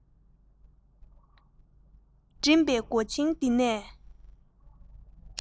འགྲིམས པའི སྒོ ཆེན འདི ནས